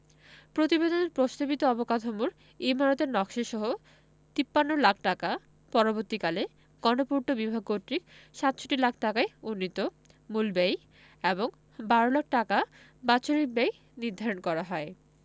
প্রতিবেদনে প্রস্তাবিত অবকাঠামোর ইমারতের নকশাসহ ৫৩ লাখ টাকা পরবর্তীকালে গণপূর্ত বিভাগ কর্তৃক ৬৭ লাখ ঢাকায় উন্নীত মূল ব্যয় এবং ১২ লাখ টাকা বাৎসরিক ব্যয় নির্ধারণ করা হয়